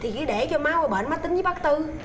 thì cứ để cho má qua bển má tính với bác tư